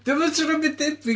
Dio'm yn swnio ddim byd debyg!